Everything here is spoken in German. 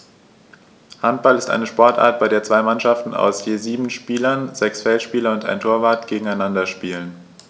Handball ist eine Sportart, bei der zwei Mannschaften aus je sieben Spielern (sechs Feldspieler und ein Torwart) gegeneinander spielen.